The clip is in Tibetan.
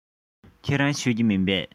ཁྱོད རང མཆོད ཀྱི མིན པས